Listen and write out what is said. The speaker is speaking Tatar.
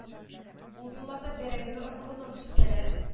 Ул елларда бәрәңгене орлыгыннан үрчетәләр